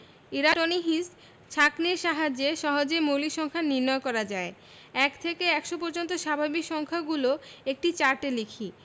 Eratosthenes ছাঁকনির সাহায্যে সহজেই মৌলিক সংখ্যা নির্ণয় করা যায় ১ থেকে ১০০ পর্যন্ত স্বাভাবিক সংখ্যাগুলো একটি চার্টে লিখি